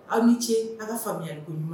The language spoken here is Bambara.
Aw ni ce an ka faamuyariɲuman